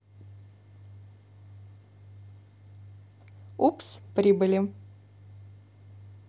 упс прибыли